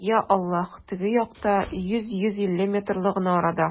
Йа Аллаһ, теге якта, йөз, йөз илле метрлы гына арада!